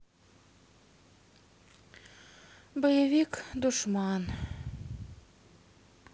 боевик душман